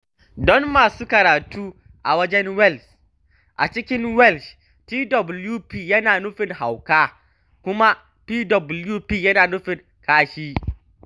Don masu karatu a wajen Wales: A cikin Welsh twp yana nufin hauka kuma pwp yana nufin kashi.